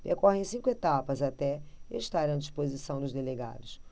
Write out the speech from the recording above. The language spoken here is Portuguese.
percorrem cinco etapas até estarem à disposição dos delegados